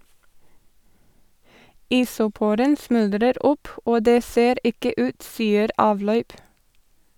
Isoporen smuldrer opp, og det ser ikke ut, sier Avløyp.